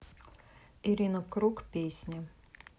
ирина круг песни